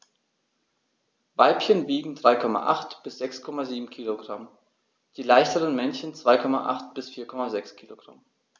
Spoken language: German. Weibchen wiegen 3,8 bis 6,7 kg, die leichteren Männchen 2,8 bis 4,6 kg.